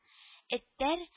Этләр